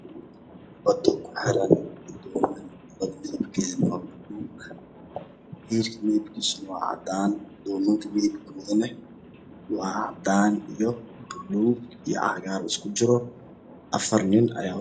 Badda oo kuxiran doomo cadaan iyo madow isku jiro